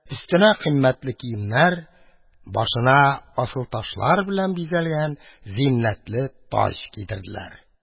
Өстенә — кыйммәтле киемнәр, башына асылташлар белән бизәлгән зиннәтле таҗ кидерделәр.